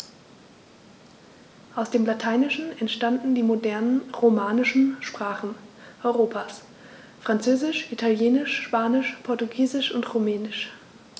Aus dem Lateinischen entstanden die modernen „romanischen“ Sprachen Europas: Französisch, Italienisch, Spanisch, Portugiesisch und Rumänisch.